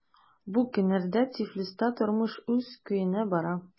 Бу көннәрдә Тифлиста тормыш үз көенә бара.